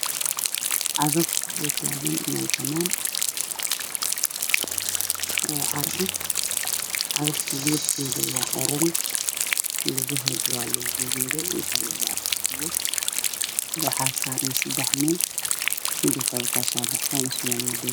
Waa cagaf taagan meel baanan ah